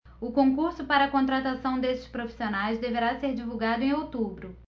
o concurso para contratação desses profissionais deverá ser divulgado em outubro